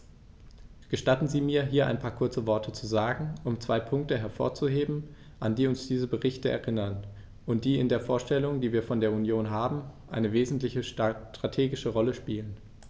Gestatten Sie mir, hier ein paar kurze Worte zu sagen, um zwei Punkte hervorzuheben, an die uns diese Berichte erinnern und die in der Vorstellung, die wir von der Union haben, eine wesentliche strategische Rolle spielen.